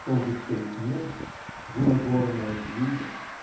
Шел густой снег, выла горная вьюга.